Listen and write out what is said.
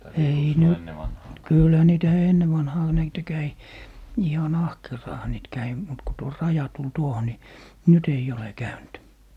ei nyt kyllähän niitä ennen vanhaan niitä kävi ihan ahkeraanhan niitä kävi mutta kun tuo raja tuli tuohon niin nyt ei ole käynyt